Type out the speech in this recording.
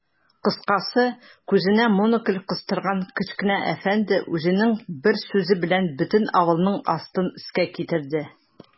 Кыскасы, күзенә монокль кыстырган кечкенә әфәнде үзенең бер сүзе белән бөтен авылның астын-өскә китерде.